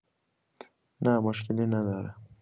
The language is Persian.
نه، مشکلی نداره.